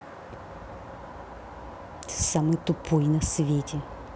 ты самый тупой на свете